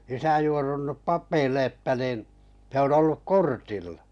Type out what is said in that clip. isä juorunnut papeille että niin se on ollut kortilla